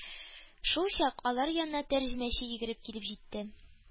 Шулчак алар янына тәрҗемәче йөгереп килеп җитте.